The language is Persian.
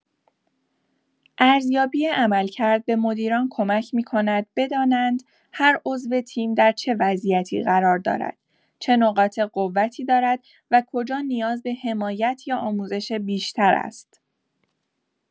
ارزیابی عملکرد به مدیران کمک می‌کند بدانند هر عضو تیم در چه وضعیتی قرار دارد، چه نقاط قوتی دارد و کجا نیاز به حمایت یا آموزش بیشتر است.